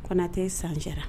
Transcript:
Kona tɛ san jɛra